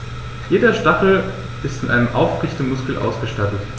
Jeder Stachel ist mit einem Aufrichtemuskel ausgestattet.